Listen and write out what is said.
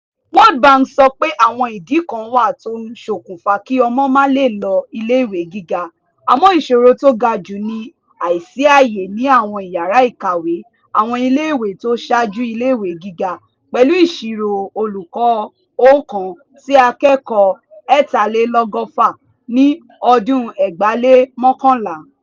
World bank sọ pé, Àwọn ìdí kan wà tó ń ṣokùnfà kí ọmọ mà lè lọ iléèwé gíga àmọ́ ìṣòro tó ga jù ni àìsí ààyè ní àwọn ìyàrá ìkàwé àwọn iléèwé tó ṣáájú iléèwé gíga, pẹ̀lú ìṣirò olùkọ́ 1 sí akẹ́kọ̀ọ́ 63 ní ọdún 2011